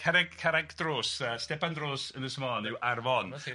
Carreg carreg drws yy stepan drws Ynys Môn yw Arfon, na ti,